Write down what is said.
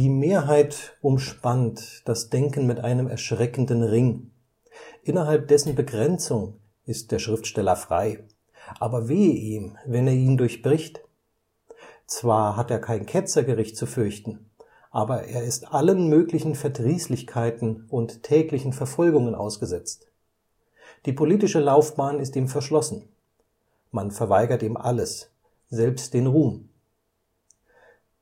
Mehrheit umspannt... das Denken mit einem erschreckenden Ring. Innerhalb dessen Begrenzung ist der Schriftsteller frei; aber wehe ihm, wenn er ihn durchbricht. Zwar hat er kein Ketzergericht zu fürchten, aber er ist allen möglichen Verdrießlichkeiten und täglichen Verfolgungen ausgesetzt. Die politische Laufbahn ist ihm verschlossen... Man verweigert ihm alles, selbst den Ruhm...